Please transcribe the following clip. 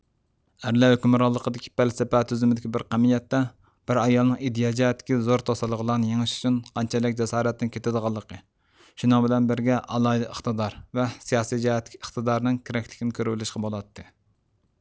ئەرلەر ھۆكۈمرانلىقى پەلسەپە تۈزۈمدىكى بىر قەمىيەتتە بىر ئايالنىڭ ئىدىيە جەھەتتىكى زور توسالغۇلارنى يېڭىش ئۈچۈن قانچىلىك جاسارەتنىڭ كېتىدىغانلىقىنى شۇنىڭ بىلەن بىرگە ئالاھىدە ئىقتىدار ۋە سىياسىي جەھەتتىكى ئىقتىدارنىڭ كېرەكلىكىنى كۆرۈۋېلىشقا بولاتتى